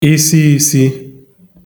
isiisi